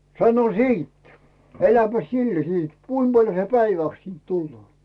sano sitten eläpäs sillä sitten kuinka paljon se päiväksi siitä tulee